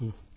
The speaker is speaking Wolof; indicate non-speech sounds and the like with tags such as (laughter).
(hesitation)